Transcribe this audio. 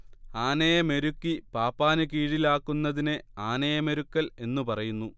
ആനയെ മെരുക്കി പാപ്പാന് കീഴിലാക്കുന്നതിനെ ആനയെ മെരുക്കൽ എന്നു പറയുന്നു